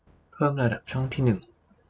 เพิ่มระดับช่องที่หนึ่ง